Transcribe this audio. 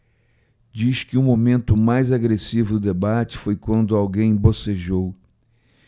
diz que o momento mais agressivo do debate foi quando alguém bocejou